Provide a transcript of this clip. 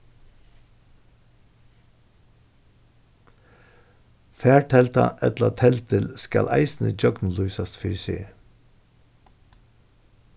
fartelda ella teldil skal eisini gjøgnumlýsast fyri seg